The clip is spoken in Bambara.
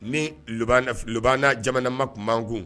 Ni labanana jamana ma tun b'an kun